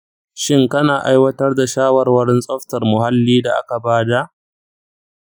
shin kana aiwatar da shawarwarin tsaftar muhalli da aka ba da?